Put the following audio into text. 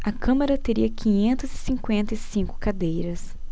a câmara teria quinhentas e cinquenta e cinco cadeiras